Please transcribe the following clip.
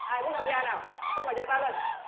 ai muốn tham gia nào xin mời giơ tay lên